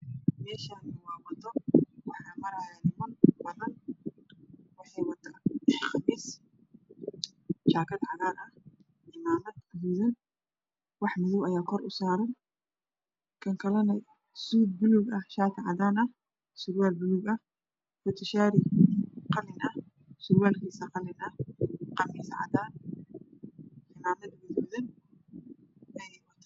Meeshani waa wado waxaa marayo niman waxay wataan khamiis jaakad cagaar ah wax madaw ayaa kor usaraan kakalena suud bulug ah jaakad cadaan ah